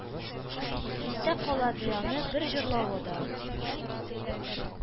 Истә кала, ди, аны бер җырлавы да